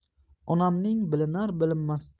onamning bilinar bilinmas